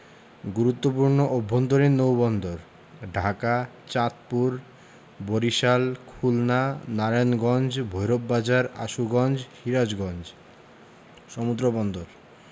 গুরুত্বপূর্ণ অভ্যন্তরীণ নৌবন্দরঃ ঢাকা চাঁদপুর বরিশাল খুলনা নারায়ণগঞ্জ ভৈরব বাজার আশুগঞ্জ সিরাজগঞ্জ সমুদ্রবন্দরঃ